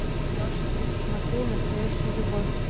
маша плюс тимофей настоящая любовь